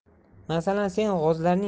masalan sen g'ozlarning